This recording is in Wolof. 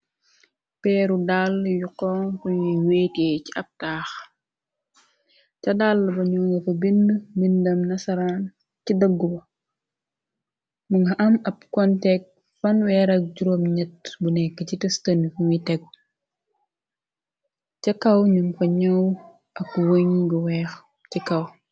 Peeru dal yu xonx yuy wéétee ci ab taax ca dall ba ño nga ko bind mbindam nasaraan ci dëggu wa mu nga am ab konteek 3 bu nekk ci testëni kumuy tegu ca kaw ñum fa ñëw aku wëñ gu weex ci kaw.